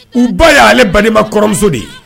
U ba y'ale balimaba kɔrɔmuso de ye.